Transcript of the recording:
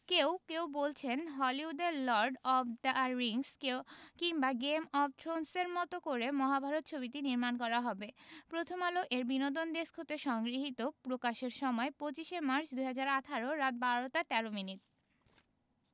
কেউ কেউ বলছেন হলিউডের লর্ড অব দ্য রিংস কেও কিংবা গেম অব থ্রোনস এর মতো করে মহাভারত ছবিটি নির্মাণ করা হবে প্রথমআলো এর বিনোদন ডেস্ক হতে সংগৃহীত প্রকাশের সময় ২৫মার্চ ২০১৮ রাত ১২ টা ১৩ মিনিট